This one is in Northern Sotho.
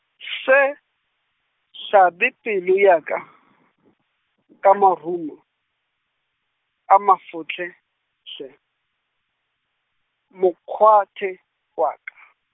se, hlabe pelo ya ka, ka marumo, a mafotle, hle, mokgwatha, wa ka.